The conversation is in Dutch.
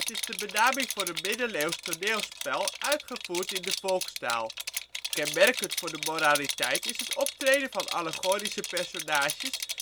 is de benaming voor een middeleeuws toneelspel uitgevoerd in de volkstaal. Kenmerkend voor de moraliteit is het optreden van allegorische personages